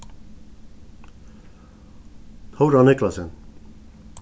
tóra niclasen